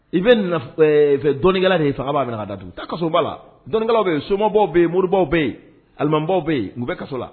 I bɛ fɛ dɔnnii de fanga b'a bɛna dasoba la dɔnni bɛ yen somabaw bɛ yen moribaw bɛ yen alimabaw bɛ yen munbɛ kaso la